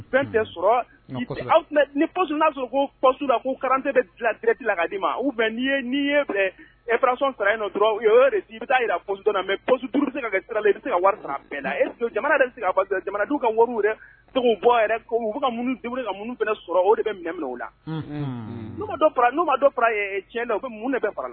Ati dɔrɔn mɛ i bɛ se ka wari jamana du ka bɔ ka ka sɔrɔ o de bɛ minɛ o la tiɲɛ bɛ fara la